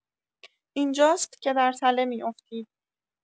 اینجاست که در تله می‌افتید.